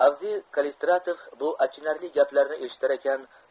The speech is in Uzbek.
avdiy kallistratov bu achinarli gaplarni eshitarkan